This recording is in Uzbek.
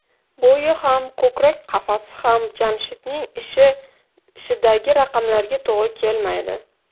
bo'yi ham ko'krak qafasi ham jamshidning ish idagi raqamlarga to'g'ri kelmaydi